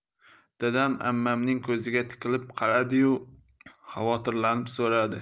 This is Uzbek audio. dadam ammamning ko'ziga tikilib qaradiyu xavotirlanib so'radi